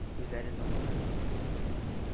Күзләре дымлана